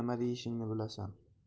nima deyishingni bilasan